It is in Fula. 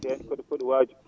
den ko ?i waaju